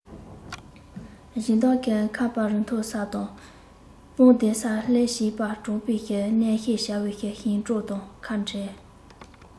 སྦྱིན བདག གི ཁ པ རི མཐོ ས དང སྤང བདེ སར སླེབས བྱིས པ གྲོངས པའི གནས ཤེས བྱ བའི ཞིང གྲོང དང ཁ བྲལ